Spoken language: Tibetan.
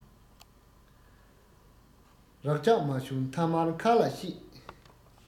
རགས རྒྱག མ བྱུང མཐའ མར མཁར ལ གཤེད